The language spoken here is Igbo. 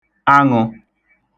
aṅụ̄